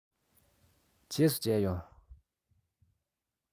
རྗེས སུ མཇལ ཡོང